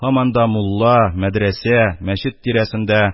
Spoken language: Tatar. Һаман да мулла, мәдрәсә, мәчет тирәсендә